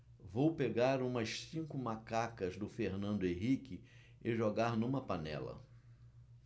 vou pegar umas cinco macacas do fernando henrique e jogar numa panela